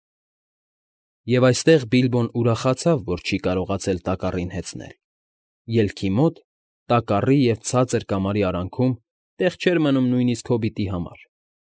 Եվ այստեղ Բիլբոն ուրախացավ, որ չի կարողացել տակառին հեծնել. ելքի մոտ, տակառի և ցածր կամարի արանքում տեղ չէր մնում նույնիսկ հոբիտի համար։